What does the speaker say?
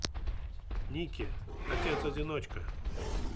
nicki отец одиночка